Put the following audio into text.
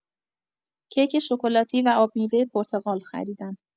کیک شکلاتی و آبمیوه پرتقال خریدم.